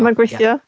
Mae'n gweithio?